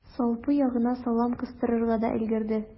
Салпы ягына салам кыстырырга да өлгерде.